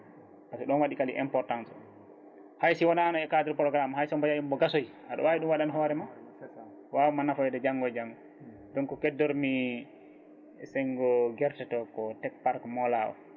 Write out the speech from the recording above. par ce que ɗon waɗi kadi importance o haysi wonani e cadre programme o haysi mbo yeeyi mbo gasoyi aɗa wawi ɗum waɗan hoorema wawma nafoyde janggo e janggo donc ;fra keddormi e senggo guerte to ko tek parque Moola o